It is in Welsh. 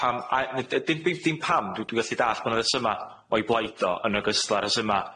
Pam a- ne- d- d- dim dim pam dwi dwi gallu dallt bo 'na resyma o'i blaid o yn ogystal â rhesyma